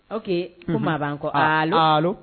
Ok ko maa ban kɔ alo